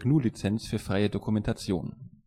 GNU Lizenz für freie Dokumentation